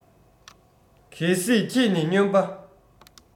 གལ སྲིད ཁྱེད ནི མྱོན པ